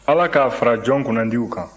ala k'a fara jɔn kunnandiw kan